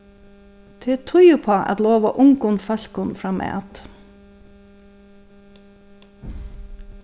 tað er tíð uppá at lova ungum fólkum framat s